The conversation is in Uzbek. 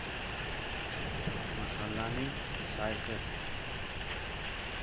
mahallaning shayxi